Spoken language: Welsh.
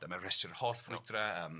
Dyma'r rhestr holl frwydra yym